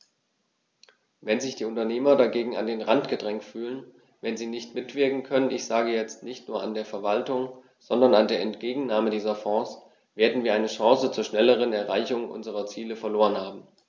Wenn sich die Unternehmer dagegen an den Rand gedrängt fühlen, wenn sie nicht mitwirken können ich sage jetzt, nicht nur an der Verwaltung, sondern an der Entgegennahme dieser Fonds , werden wir eine Chance zur schnelleren Erreichung unserer Ziele verloren haben.